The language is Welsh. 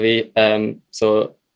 fi yym so